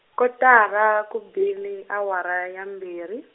kotara ku bile awara ya mbirhi.